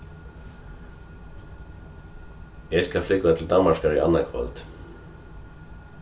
eg skal flúgva til danmarkar í annaðkvøld